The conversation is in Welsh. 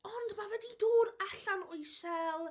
Ond mae fe 'di dod allan o'i "shell".